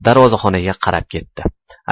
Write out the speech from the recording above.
darvozaxonaga qarab ketdi